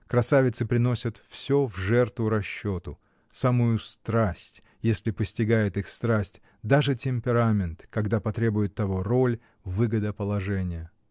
Красавицы приносят всё в жертву расчету: самую страсть, если постигает их страсть, даже темперамент, когда потребует того роль, выгода положения.